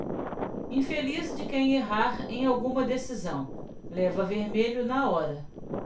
infeliz de quem errar em alguma decisão leva vermelho na hora